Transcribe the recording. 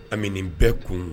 A bɛ nin bɛɛ kun